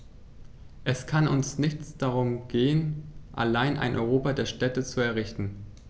Es kann uns nicht darum gehen, allein ein Europa der Städte zu errichten.